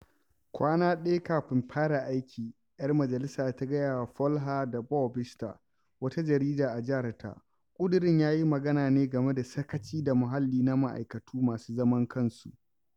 Kwana ɗaya kafin fara aiki, 'yar majalisar ta gaya wa Folha de Boa ɓista, wata jarida a jiharta, ƙudurin ya yi magana ne game da sakaci da muhalli na ma'aikatu masu zaman kansu: